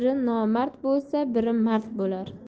biri nomard bo'lsa biri mard bo'lar